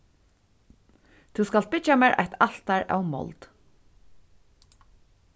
tú skalt byggja mær eitt altar av mold